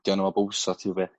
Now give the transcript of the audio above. buildio 'na nw bob wsos math o beth